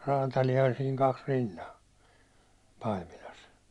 räätäliä oli siinä kaksi rinnan Paimilassa